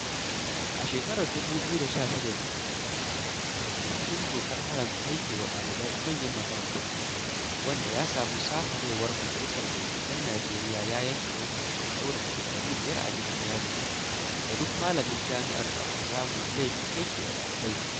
A shakarar 2016 ne "kundin Dokar Haramta Haikewa ɗalibai a Manyan Makarantu" wanda ya samu sahalewar Majalisar Dattijan Nijeriya ya yanke hukuncin ɗaurin shekaru 5 a gidan yari ga duk malamin jami'ar da aka samu da laifin haikewa ɗalibai.